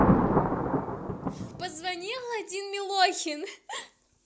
позвони аладдин милохин